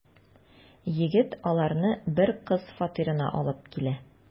Егет аларны бер кыз фатирына алып килә.